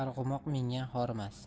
arg'umoq mingan horimas